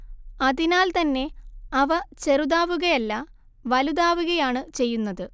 അതിനാൽത്തന്നെ അവ ചെറുതാവുകയല്ല വലുതാവുകയാണ്‌ ചെയ്യുന്നത്